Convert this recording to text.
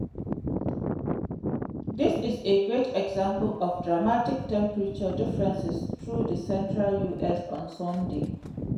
There is a great example of dramatic temperature differences through the central U.S. on Sunday.